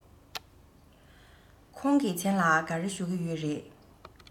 ཁོང གི མཚན ལ ག རེ ཞུ གི ཡོད རེད